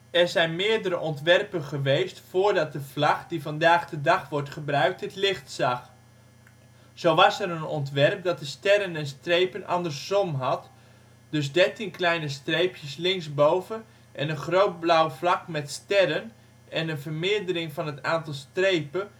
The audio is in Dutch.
zijn meerdere ontwerpen geweest voordat de vlag die vandaag de dag wordt gebruikt het licht zag. Zo was er een ontwerp dat de sterren en strepen ' andersom ' had, dus 13 kleine streepjes linksboven en een groot blauw vak met sterren, en een vermeerdering van het aantal strepen